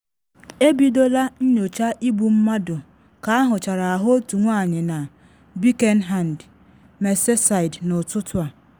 Ebidola nnyocha igbu mmadụ ka ahụchara ahụ otu nwanyị na Birkenhard, Merseyside n’ụtụtụ a.